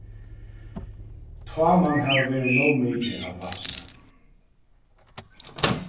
tá man hava verið nóg mikið av vatni